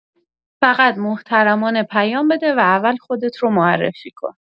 فقط محترمانه پیام بده و اول خودت رو معرفی کن.